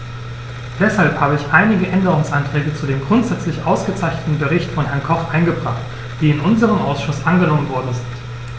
Deshalb habe ich einige Änderungsanträge zu dem grundsätzlich ausgezeichneten Bericht von Herrn Koch eingebracht, die in unserem Ausschuss angenommen worden sind.